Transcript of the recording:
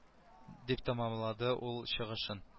Дип тәмамлады ул чыгышын